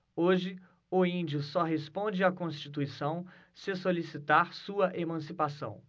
hoje o índio só responde à constituição se solicitar sua emancipação